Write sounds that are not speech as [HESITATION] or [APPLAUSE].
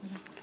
[HESITATION] [HESITATION]